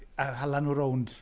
A hala nhw rownd.